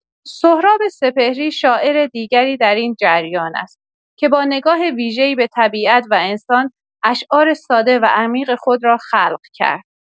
سهراب سپهری، شاعر دیگری در این جریان است که با نگاه ویژه‌ای به طبیعت و انسان، اشعار ساده و عمیق خود را خلق کرد.